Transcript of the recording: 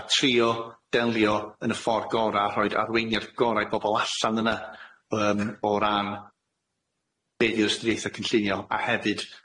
A trio delio yn y ffor gora' a rhoid arweiniad gorau i bobol allan yna yym o ran be' di'r ystyriaethau cynllunio a hefyd